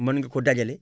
mën nga ko dajale